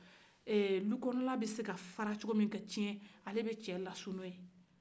e dukɔnɔna bɛ se ka fara cogomi ka cɛn ale bɛ cɛ lasu ni o ye